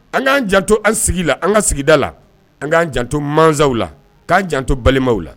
An k'an jan to an sigi la an ka sigida la an k'an jan to masaw la k'an jan to balimaw la